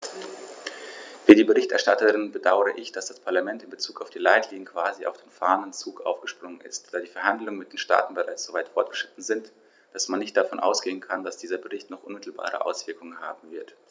Wie die Berichterstatterin bedaure ich, dass das Parlament in bezug auf die Leitlinien quasi auf den fahrenden Zug aufgesprungen ist, da die Verhandlungen mit den Staaten bereits so weit fortgeschritten sind, dass man nicht davon ausgehen kann, dass dieser Bericht noch unmittelbare Auswirkungen haben wird.